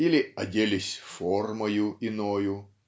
или "оделись формою иною"